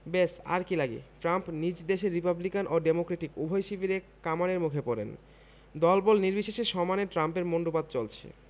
ব্যস আর কী লাগে ট্রাম্প নিজ দেশে রিপাবলিকান ও ডেমোক্রেটিক উভয় শিবিরের কামানের মুখে পড়েন দলবল নির্বিশেষে সমানে ট্রাম্পের মুণ্ডুপাত চলছে